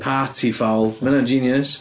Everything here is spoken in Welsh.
Party Fowl. Ma' hwnna'n genius.